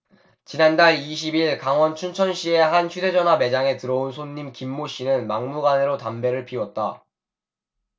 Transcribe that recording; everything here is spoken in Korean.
지난달 이십 일 강원 춘천시의 한 휴대전화 매장에 들어온 손님 김모 씨는 막무가내로 담배를 피웠다